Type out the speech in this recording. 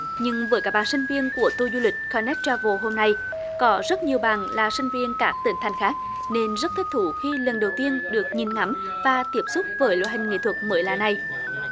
nhưng với các bạn sinh viên của tua du lịch con nét tre vồ hôm nay có rất nhiều bạn là sinh viên các tỉnh thành khác nên rất thích thú khi lần đầu tiên được nhìn ngắm và tiếp xúc với loại hình nghệ thuật mới lạ này